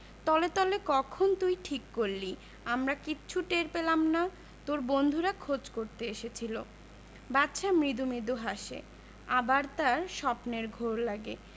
তলে তলে কখন তুই ঠিক করলি আমরা কিচ্ছু টের পেলাম না তোর বন্ধুরা খোঁজ করতে এসেছিলো বাদশা মৃদু মৃদু হাসে আবার তার স্বপ্নের ঘোর লাগে